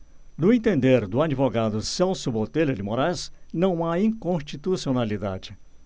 no entender do advogado celso botelho de moraes não há inconstitucionalidade